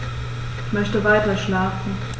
Ich möchte weiterschlafen.